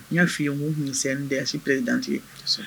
N y'a fɔi ye' ninsɛn tɛsi p ye dan ye